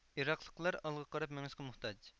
ئىراقلىقلار ئالغا قاراپ مېڭىشقا مۇھتاج